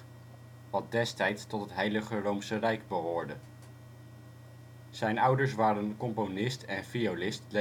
Heilige Roomse Rijk behoorde. Zijn ouders waren componist en violist